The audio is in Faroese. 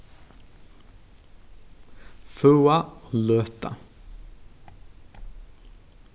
føða og løta